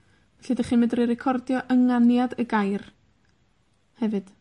Felly, 'dych chi'n medru recordio ynganiad y gair hefyd.